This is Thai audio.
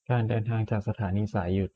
การเดินทางจากสถานีสายหยุด